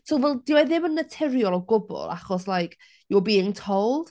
So fel, dyw e ddim yn naturiol o gwbl achos like, you're being told..